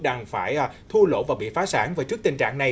đành phải thua lỗ và bị phá sản vậy trước tình trạng này